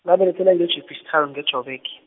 ngabelethelwa nge- Jeepies Town nge- Joburg.